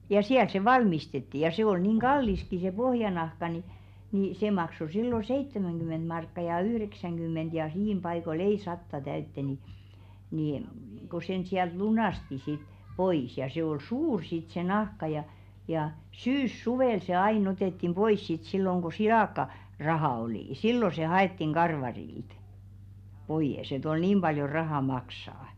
ja siellä se valmistettiin ja se oli niin kalliskin se pohjanahka niin niin se maksoi silloin seitsemänkymmentä markkaa ja yhdeksänkymmentä ja siinä paikoilla ei sataa täyteen niin niin - kun sen sieltä lunasti sitten pois ja se oli suuri sitten se nahka ja ja syyssuvella se aina otettiin pois sitten silloin kun - silakkaraha oli silloin se haettiin karvarilta pois että oli niin paljon rahaa maksaa